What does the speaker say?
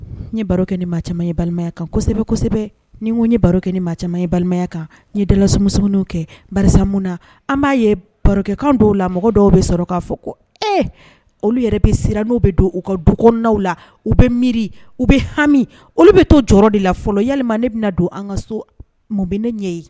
Ni baro kɛ ni caman ye balimaya kan kosɛbɛsɛbɛ ni ko ni baro kɛ ni caman ye balimaya kan ni dalasumsumw kɛmu na an b'a ye barokɛkan dɔw la mɔgɔ dɔw bɛ sɔrɔ k'a fɔ ko e olu yɛrɛ bɛ siran n'u bɛ don u ka duknaw la u bɛ miiri u bɛ hami olu bɛ to jɔyɔrɔ de la fɔlɔ yali ne bɛna na don an ka so munben ɲɛ ye